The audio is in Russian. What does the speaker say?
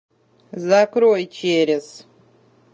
закрой через